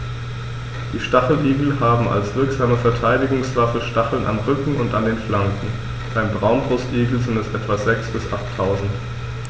Die Stacheligel haben als wirksame Verteidigungswaffe Stacheln am Rücken und an den Flanken (beim Braunbrustigel sind es etwa sechs- bis achttausend).